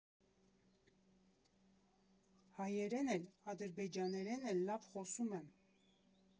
Հայերեն էլ, ադրբեջաներեն էլ լավ խոսում եմ։